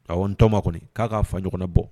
Awɔ N tɔma kɔni ka k ka fa ɲɔgɔn na bɔ.